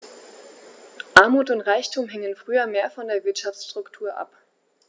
Armut und Reichtum hingen früher mehr von der Wirtschaftsstruktur ab.